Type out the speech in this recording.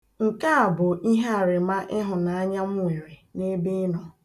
Nke a bụ ihearịma ịhụnanya m nwere n'ebe ị nọ.